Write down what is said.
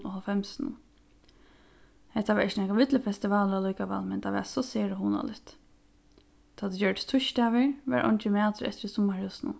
og hálvfemsunum hetta var ikki nakar villur festivalur allíkavæl men tað var so sera hugnaligt tá tað gjørdist týsdagur var eingin matur eftir í summarhúsinum